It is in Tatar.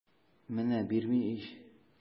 Менә бирми ич!